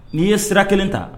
N'i ye sira 1 ta